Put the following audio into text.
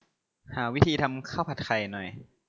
หาวิธีทำข้าวผัดไข่หน่อย